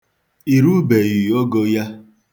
I rubeghị ogo ya.